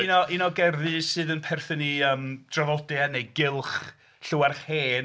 Un o... un o gerddi sydd yn perthyn i yym draddodiad neu gylch Llywarch Hen.